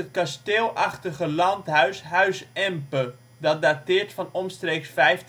kasteelachtige landhuis Huis Empe, dat dateert van omstreeks 1550